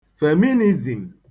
fèminìzìm